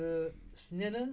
nee na